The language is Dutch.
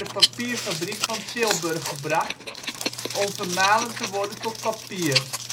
papierfabriek van Tilburg gebracht om vermalen te worden tot papier